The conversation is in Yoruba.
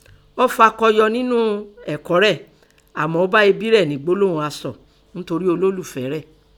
Ọ́ fakọyọ ńnú ẹ̀kọ́ rẹ̀ àmọ́ ọ́ bá ebi rẹ̀ ní gbólóhùn asọ̀ ńtorí olólùfẹ́ẹ rẹ̀.